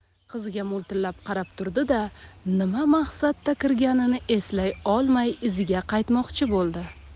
qiziga mo'ltillab qarab turdi da nima maqsadda kirganini eslay olmay iziga qaytmoqchi bo'ldi